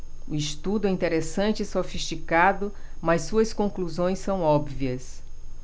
o estudo é interessante e sofisticado mas suas conclusões são óbvias